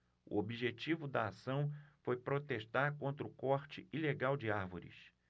o objetivo da ação foi protestar contra o corte ilegal de árvores